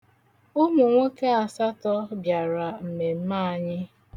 Ụmụ nwoke asatọ bịara mmemme anyị.